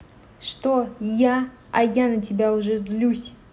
что я а я на тебя уже злюсь